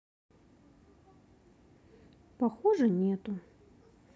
похоже нету